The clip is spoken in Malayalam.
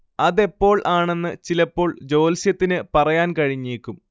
അതെപ്പോൾ ആണെന്ന് ചിലപ്പോൾ ജ്യോല്സ്യത്തിന് പറയാൻ കഴിഞ്ഞേക്കും